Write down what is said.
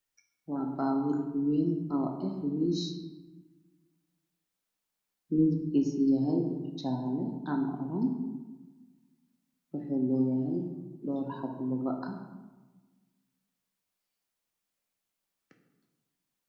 waa baabuur wayn oo midabikiisa yahay